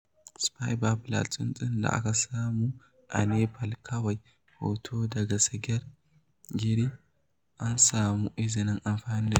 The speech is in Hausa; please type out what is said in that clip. Spiny Babbler, tsuntsun da ake samu a Nepal kawai. Hoto daga Sagar Giri. an samu izinin amfani da shi.